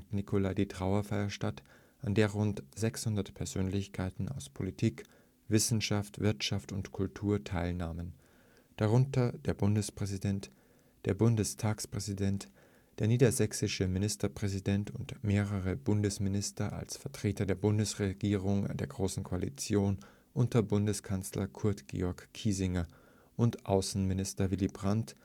Nicolai die Trauerfeier statt, an der rund 600 Persönlichkeiten aus Politik, Wissenschaft, Wirtschaft und Kultur teilnahmen, darunter der Bundespräsident, der Bundesratspräsident, der niedersächsische Ministerpräsident und mehrere Bundesminister als Vertreter der Bundesregierung der großen Koalition unter Bundeskanzler Kurt Georg Kiesinger und Außenminister Willy Brandt